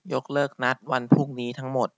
ยกเลิกนัดวันพรุ่งนี้ทั้งหมด